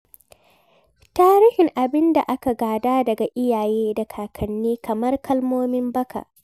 Tarihin abin da aka gada daga iyaye da kakanni - kamar kalmomin baka